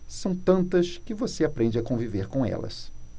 são tantas que você aprende a conviver com elas